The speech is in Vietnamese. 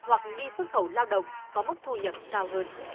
hoặc đi xuất khẩu lao động có mức thu nhập cao hơn